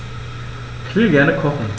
Ich will gerne kochen.